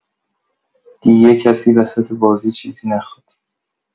دیگه کسی وسط بازی چیزی نخواد.